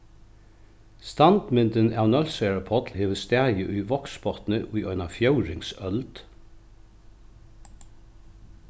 standmyndin av nólsoyar páll hevur staðið í vágsbotni í eina fjórðings øld